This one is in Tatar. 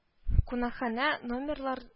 Кунакханә номерлар